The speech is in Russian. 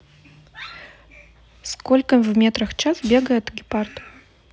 сколько в метрах час бегает гепард